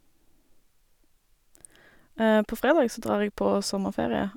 På fredag så drar jeg på sommerferie.